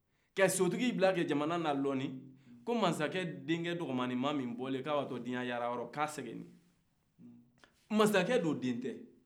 ka sotigiw bila k'a jamana ladɔnniya ko mansacɛ dencɛ dɔgɔmaninma min bɔra k'a bɛ ta diɲɛ yala yɔrɔ k'a segin na mansacɛ dun den tɛ